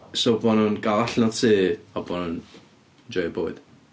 So bo' nhw'n gael allan o'r tŷ a bo' nhw'n joio bywyd.